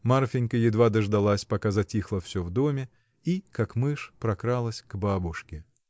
Марфинька едва дождалась, пока затихло всё в доме, и, как мышь, прокралась к бабушке.